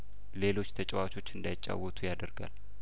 ሌሎች ተጫዋቾች እንዳይጫወቱ ያደርጋል